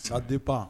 ça dépend